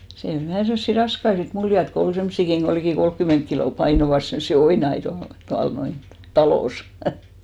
siinä oli vähän semmoisia raskaita sitten muljata kun oli semmoisiakin kun liki kolmekymmentä kiloa painoivat semmoisia oinaita tuolla tuolla noin talossa